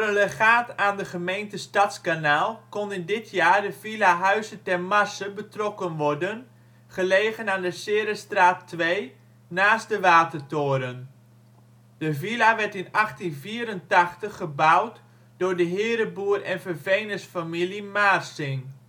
legaat aan de gemeente Stadskanaal kon in dit jaar de villa Huize Ter Marse betrokken worden, gelegen aan de Ceresstraat 2 (naast de watertoren). De villa werd in 1884 gebouwd voor de hereboer - en vervenersfamilie Maarsingh